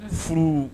Furu